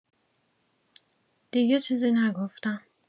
دیگه چیزی نگفتم.